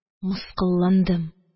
Мыскылландым